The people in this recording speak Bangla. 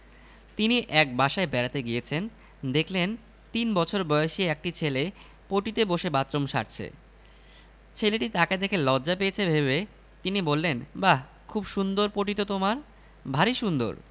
একজন সংস্কৃতি মনা মহিলাকে আমি চিনতাম যিনি আমার লেখালেখি নিয়ে নানান সময় উচ্ছাস প্রকাশ করছেন